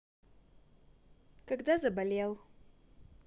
когда заболел